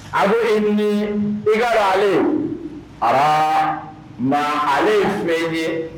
A i ni i ka ale a ma ale feere ye